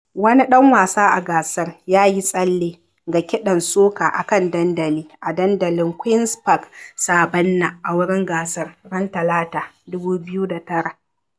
Wani ɗan wasa a gasar, "ya yi tsalle" ga kiɗan soca a kan dandali a dandalin ƙueen's Park Saɓannah, a wurin gasar, ran Talata, 2009.